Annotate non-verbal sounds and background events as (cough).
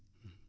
(hesitation) (hesitation)